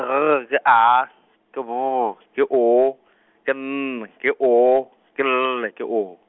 G ke A, ke B, ke O, ke N, ke O, ke L, ke O.